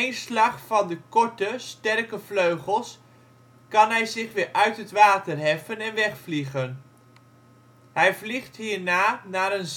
slag van de korte, sterke vleugels kan hij zich weer uit het water heffen en wegvliegen. Hij vliegt hierna naar een